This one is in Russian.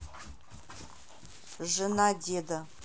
жена деда